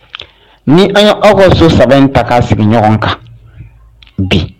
Ni an ye aw ka so sɛbɛntaa sigi ɲɔgɔn kan bi